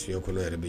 Diɲɛ kolon yɛrɛ bi